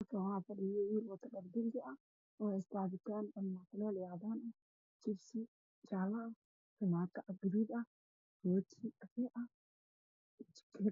Halkaan waxaa fadhiyo nin wato fanaanad bingi ah waxuu heystaa cabitaan oo nacnackuleel iyo cadaan ah, jibsi, tomato gaduud ah, rooti kafay ah.